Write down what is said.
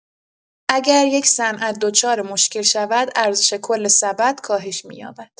اگر یک صنعت دچار مشکل شود، ارزش کل سبد کاهش می‌یابد.